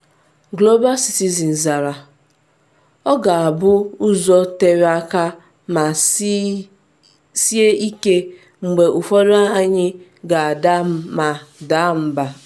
Global Citizen zara: “Ọ ga-abụ ụzọ tere aka ma sie ike - mgbe ụfọdụ anyị ga ada ma daa mba.